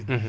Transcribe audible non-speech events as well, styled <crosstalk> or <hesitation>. <hesitation> <hesitation>